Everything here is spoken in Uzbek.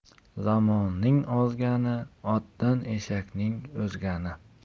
zamonaning ozgani otdan eshakning o'zgani